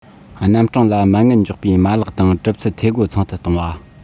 རྣམ གྲངས ལ མ དངུལ འཇོག པའི མ ལག དང གྲུབ ཚུལ འཐུས སྒོ ཚང དུ གཏོང བ